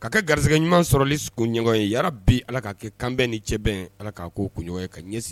Ka ka garisɛgɛ ɲuman sɔrɔli ɲɛɲɔgɔn ye ya bi ala k ka kɛ kanbɛn ni cɛbɛn ala k ka ko kunyɔ ka ɲɛsin